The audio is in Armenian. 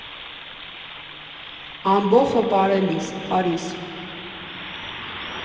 Ամբոխը պարելիս, Փարիզ։